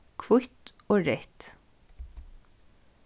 hvítt og reytt